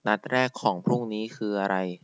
นัดแรกของพรุ่งนี้นี้คืออะไร